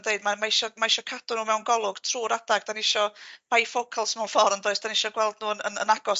ddeud ma' mae eisio ma' eisio cadw n'w mewn golwg trw'r adag 'dan ni isio bifocals mewn ffor on'd oess 'dan ni isio gweld nw'n yn yn agos